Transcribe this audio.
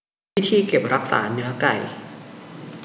วิธีเก็บรักษาเนื้อไก่